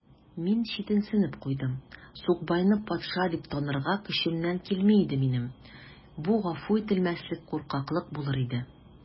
Мин читенсенеп куйдым: сукбайны патша дип танырга көчемнән килми иде минем: бу гафу ителмәслек куркаклык булыр иде.